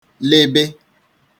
-lebe (= -lesị)